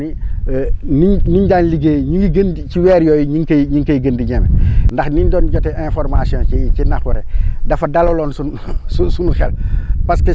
ba nga xam ni niñ niñ daan liggéeyee ñu ngi gën di ci weer yooyu ñu ngi koy ñu ngi koy gën di ñeme ndax ñu ngi doon jotee information ci ci Nafoore dafa dalaloon sunu sunu xel